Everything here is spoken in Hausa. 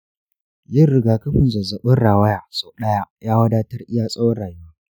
yin rigakafin zazzabin rawaya sau daya ya wadatar iya tsawon rayuwa.